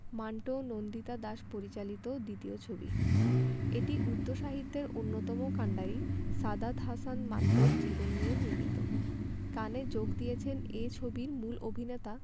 মান্টো নন্দিতা দাস পরিচালিত দ্বিতীয় ছবি এটি উর্দু সাহিত্যের অন্যতম কান্ডারি সাদাত হাসান মান্টোর জীবন নিয়ে নির্মিত কানে যোগ দিয়েছেন এ ছবির মূল অভিনেতা